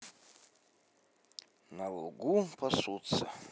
на лугу пасутся